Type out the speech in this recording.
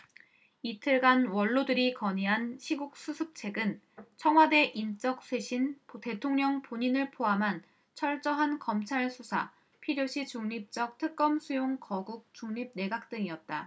이틀간 원로들이 건의한 시국수습책은 청와대 인적 쇄신 대통령 본인을 포함한 철저한 검찰 수사 필요시 중립적인 특검 수용 거국중립내각 등이었다